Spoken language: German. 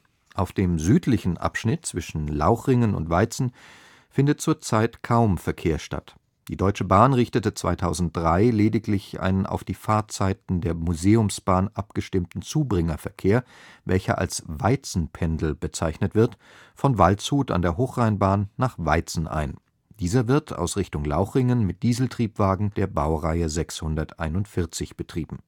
dem südlichen Abschnitt zwischen Lauchringen und Weizen findet zurzeit kaum Verkehr statt. Die Deutsche Bahn richtete 2003 lediglich einen auf die Fahrtzeiten der Museumsbahn abgestimmten Zubringerverkehr, welcher als „ Weizen-Pendel “bezeichnet wird, von Waldshut an der Hochrheinbahn nach Weizen ein. Dieser wird aus Richtung Lauchringen mit Dieseltriebwagen der Baureihe 641 betrieben